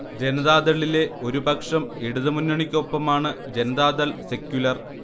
ജനതാദളിലെ ഒരു പക്ഷം ഇടതു മുന്നണിക്കൊപ്പമാണ് ജനതാദൾ സെക്യുലർ